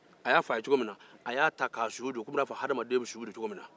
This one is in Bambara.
a y'a fɔ a ye cogo min na a y'a ta ka su don i n'a fɔ hadamaden bɛ su don cogo min na